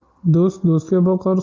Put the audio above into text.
do'st do'stga boqar